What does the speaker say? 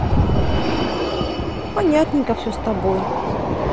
понятненько все с тобой